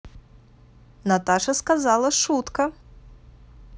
наташа сказала шутка